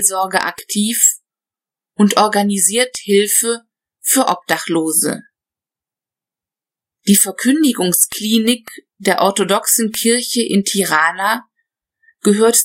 aktiv und organisiert Hilfe für Obdachlose. Die Verkündigungs-Klinik der orthodoxen Kirche in Tirana gehört